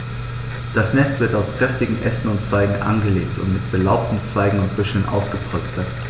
Das Nest wird aus kräftigen Ästen und Zweigen angelegt und mit belaubten Zweigen und Büscheln ausgepolstert.